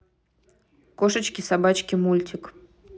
кошечки собачки мультик